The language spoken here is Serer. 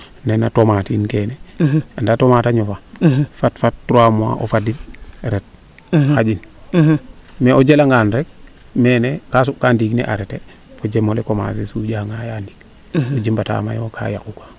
nene tomate iin keene anda tomate a ñofa fat fat trois mois o fadid ret xaƴin mais o jala ngaan rek nene ka somb kaa ndiing ne arreter fojemole commencer suuƴa ngaaya o ndik ku o jimba taa mayo xana yaqu kaa